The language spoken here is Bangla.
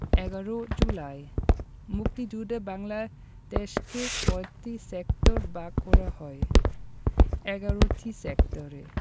১১ জুলাই মুক্তিযুদ্ধে বাংলাদেশকে কয়টি সেক্টরে ভাগ করা হয় ১১টি সেক্টরে